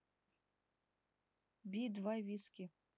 би два виски